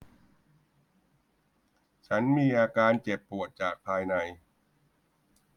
ฉันมีอาการเจ็บปวดจากภายใน